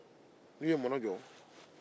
n'i ye mɔnɔ jɔ